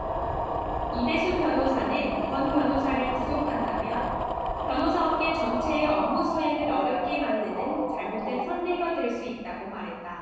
이대순 변호사는 권 변호사를 구속한다면 변호사업계 전체의 업무수행을 어렵게 만드는 잘못된 선례가 될 수 있다고 말했다